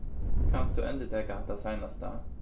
kanst tú endurtaka hatta seinasta